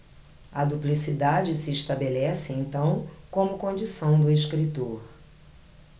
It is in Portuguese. a duplicidade se estabelece então como condição do escritor